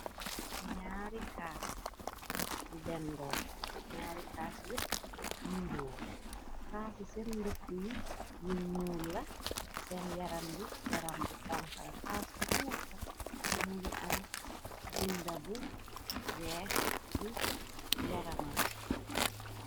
Nyari caas yu dendoo nyari caas yopp niroo caasi sen ndëpu yi yu ñuul la sen yaram bi yaram bu xonxo la caas bu cu nekk mu ngi am binda bu weex ci yaramam bi.